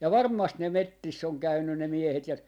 ja varmasti ne metsissä on käynyt ne miehet ja